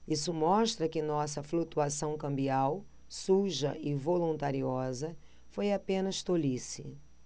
isso mostra que nossa flutuação cambial suja e voluntariosa foi apenas tolice